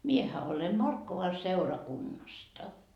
minähän olen Markkovan seurakunnasta